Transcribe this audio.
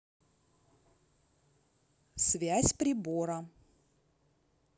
связь прибора